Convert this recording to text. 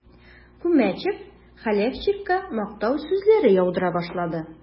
Күмәчев Хәләфчиккә мактау сүзләре яудыра башлады.